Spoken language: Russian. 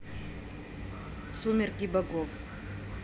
сумерки богов